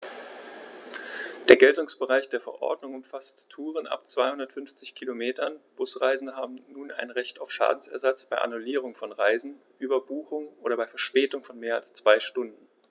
Der Geltungsbereich der Verordnung umfasst Touren ab 250 Kilometern, Busreisende haben nun ein Recht auf Schadensersatz bei Annullierung von Reisen, Überbuchung oder bei Verspätung von mehr als zwei Stunden.